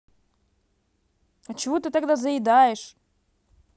а чего ты тогда заедаешь